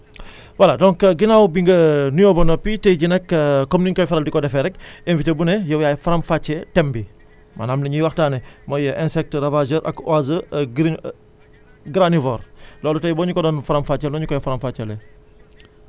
voilà donc ginnaaw bi nga nuyoo ba noppi tey jii nag comme niñ koy faral di ko defee rek invité bu ne yow yaay faram fàccee thème bi maanaam li ñuy waxtaanee mooy insectes ravageurs ak oiseaux gri granivores loolu tey boo ñu ko doon faram fàcceel noo ñu koy faram fàcceelee